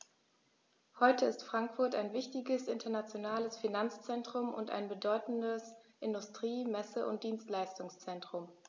Heute ist Frankfurt ein wichtiges, internationales Finanzzentrum und ein bedeutendes Industrie-, Messe- und Dienstleistungszentrum.